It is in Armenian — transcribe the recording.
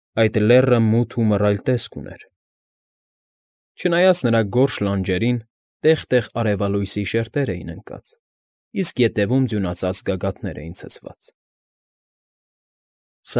Այդ լեռը մութ ու մռայլ տեսք ուներ, չնայած նրա գորշ լանջերին տեղ֊տեղ արևային շերտեր էին ընկած, իսկ ետևում ձյունածածկ գագաթներ էին ցցված։ ֊